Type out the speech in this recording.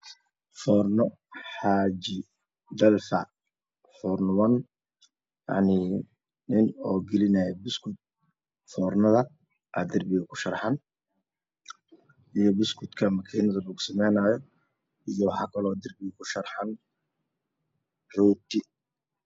Foormo xaaji meel uu galinayo buskud shoormada ayaa darbiag kushraxan iyo buskud makiinado lagu sameyna